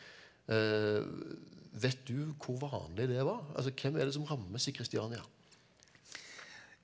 vet du hvor vanlig det var altså hvem er det som rammes i Christiania?